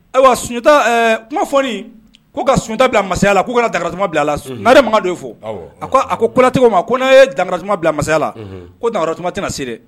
Ayiwa Sunjata, ɛɛ, kuma fɔlen, ko ka Sunjata bila masayala k'u kana Dankaratuma bila a la, unhun , Nare Makan de y'o fɔ, awɔ,.A ko kolaigɛw man ko n'a ye Dankaratumama bila masayala, unhun, ko Dankaratuma tɛna se dɛ